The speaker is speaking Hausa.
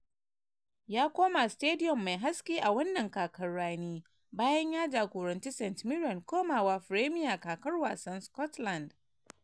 Ya koma Stadium mai Haske a wannan kakar rani bayan ya jagoranci St Mirren komawa fremiya kakar wasan Scotland.